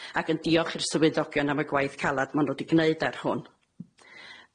ac yn diolch i'r swyddogion am 'i gwaith calad ma' n'w di gneud ar hwn.